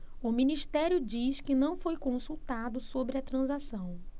o ministério diz que não foi consultado sobre a transação